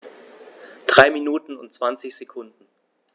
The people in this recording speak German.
3 Minuten und 20 Sekunden